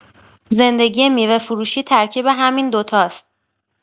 زندگی میوه‌فروشی ترکیب همین دوتاست.